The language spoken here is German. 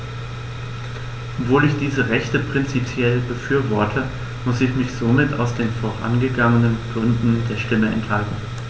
Obwohl ich diese Rechte prinzipiell befürworte, musste ich mich somit aus den vorgenannten Gründen der Stimme enthalten.